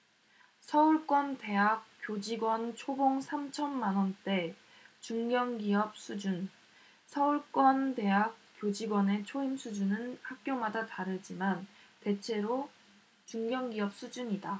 서울권 대학 교직원 초봉 삼 천만원대 중견기업 수준서울권 대학 교직원의 초임 수준은 학교마다 다르지만 대체로 중견기업 수준이다